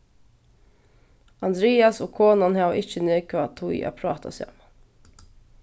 andreas og konan hava ikki nógva tíð at práta saman